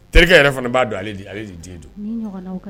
Terikɛ yɛrɛ fana b'a don ale ale de den don